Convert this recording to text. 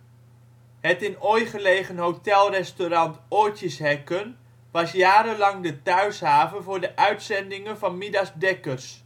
Het in Ooij gelegen hotel-restaurant " Oortjeshekken " was jarenlang de thuishaven voor de uitzendingen van Midas Dekkers